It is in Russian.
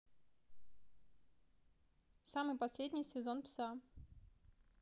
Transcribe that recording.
самый последний сезон пса